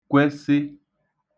kwesị